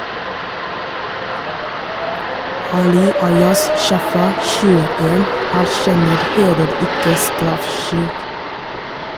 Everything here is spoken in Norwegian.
Ali Ayaz Shafa (21) erkjenner heller ikke straffskyld.